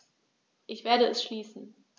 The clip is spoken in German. Ich werde es schließen.